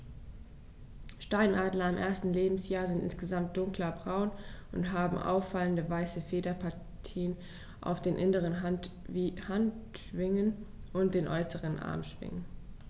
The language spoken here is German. Steinadler im ersten Lebensjahr sind insgesamt dunkler braun und haben auffallende, weiße Federpartien auf den inneren Handschwingen und den äußeren Armschwingen.